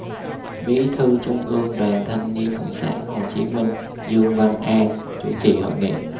bí thư trung ương đoàn thanh niên cộng sản hồ chí minh dương văn an chủ trì hội nghị